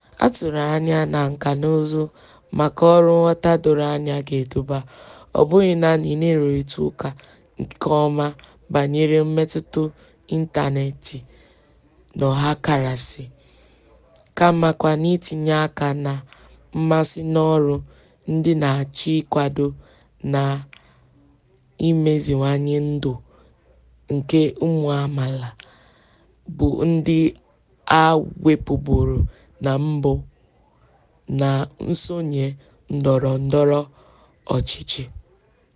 Atụrụ anya na nkànaụzụ maka ọrụ nghọta doro anya ga-eduba ọ bụghị naanị n'ịrụrịta ụka nke ọma banyere mmetụta ịntaneetị n'ọhakarasị, kamakwa n'itinyekwu aka na mmasị n'ọrụ ndị na-achọ ịkwado na imeziwanye ndụ nke ụmụ amaala bụ ndị a wepụburu na mbụ na nsonye ndọrọndọrọ ọchịchị.